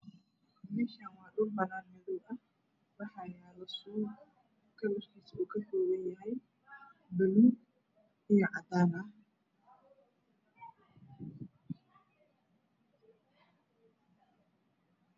Meeshaan waa dhul banaan ah oo madow ah waxaa yaalo suud midabkiisu ka kooban yahay buluug iyo cadaan.